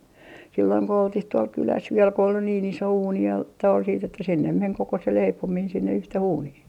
silloin kun oltiin tuolla kylässä vielä kun oli niin iso uuni ja tuo sitten että sinne meni koko se leipominen sinne yhteen uuniin